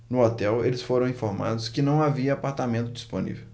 no hotel eles foram informados que não havia apartamento disponível